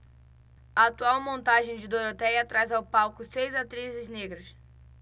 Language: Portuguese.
a atual montagem de dorotéia traz ao palco seis atrizes negras